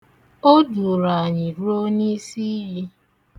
O duuru anyị ruo n'isiiyi.